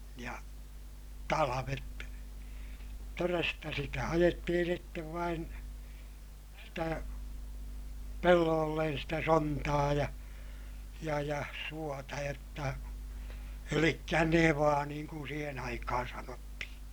ja talvet todesta sitä ajettiin sitten vain sitä pelloille sitä sontaa ja ja ja suota jotta eli nevaa niin kuin siihen aikaan sanottiin